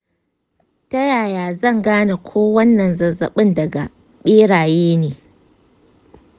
ta yaya zan gane ko wannan zazzabin daga beraye ne?